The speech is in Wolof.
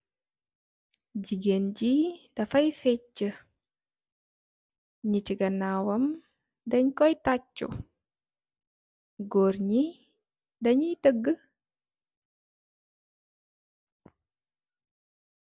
Jigéen jii dafay fécce, ñii ci ganaawam, dañg koy tachu. Goor ñi da ñuy tëggë.